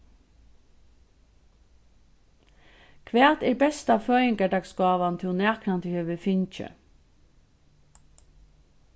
hvat er besta føðingardagsgávan tú nakrantíð hevur fingið